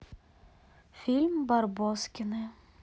фильм барбоскины